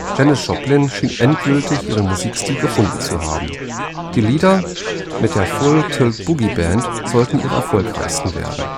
Janis Joplin schien endgültig ihren Musikstil gefunden zu haben. Die Lieder mit der Full Tilt Boogie Band sollten ihre erfolgreichsten werden